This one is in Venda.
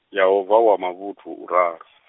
Yehova wa mavhuthu uralo .